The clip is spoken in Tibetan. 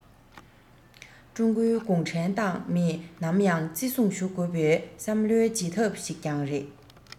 ཀྲུང གོའི གུང ཁྲན ཏང མིས ནམ ཡང བརྩི སྲུང ཞུ དགོས པའི བསམ བློའི བྱེད ཐབས ཤིག ཀྱང རེད